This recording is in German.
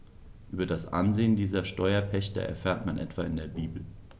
Über das Ansehen dieser Steuerpächter erfährt man etwa in der Bibel.